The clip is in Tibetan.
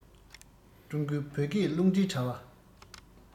ཀྲུང གོའི བོད སྐད རླུང འཕྲིན དྲ བ